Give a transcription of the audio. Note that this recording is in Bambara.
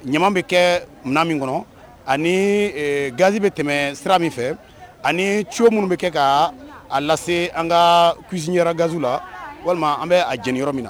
Ɲaman bi kɛ minna min kɔnɔ ani gazi bi tɛmɛ sira min fɛ ani tuyau minnu bɛ kɛ ka lase an ka kusiyara gaziwla walima an bɛ a jeni yɔrɔ min na.